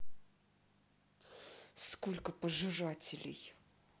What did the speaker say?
сколько пожирателей